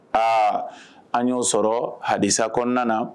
Aa an yo sɔrɔ hadisa kɔnɔna na